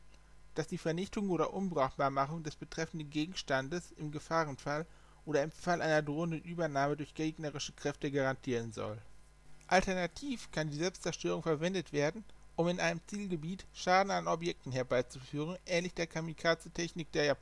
Vernichtung oder Unbenutzbarmachung des betreffenden Gegenstandes im Gefahrenfall oder im Fall einer drohenden Übernahme durch gegnerische Kräfte garantieren soll. Alternativ kann die Selbstzerstörung verwendet werden, um in einem Zielgebiet Schaden an Objekten herbei zu führen, ähnlich der Kamikazetechnik der